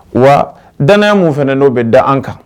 Wa danya mun fana don bɛ da an kan